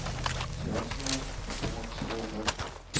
Җиһаншиннан котылмакчы булды